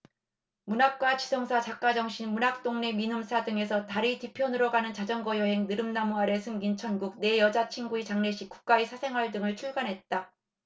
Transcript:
문학과 지성사 작가정신 문학동네 민음사 등에서 달의 뒤편으로 가는 자전거 여행 느릅나무 아래 숨긴 천국 내 여자친구의 장례식 국가의 사생활 등을 출간했다